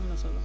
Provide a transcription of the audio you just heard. am na solo